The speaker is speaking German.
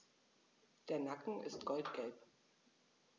Der Nacken ist goldgelb.